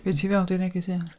Be' ti'n feddwl 'di'r negeseuon?